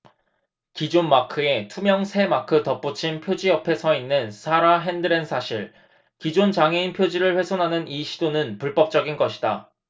기존 마크에 투명 새 마크 덧붙인 표지 옆에 서있는 사라 핸드렌사실 기존 장애인 표지를 훼손하는 이 시도는 불법적인 것이다